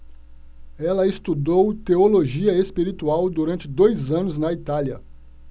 ela estudou teologia espiritual durante dois anos na itália